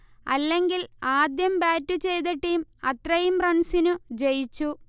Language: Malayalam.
അല്ലെങ്കിൽ ആദ്യം ബാറ്റു ചെയ്ത ടീം അത്രയും റൺസിനു ജയിച്ചു